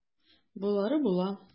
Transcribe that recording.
Болары була.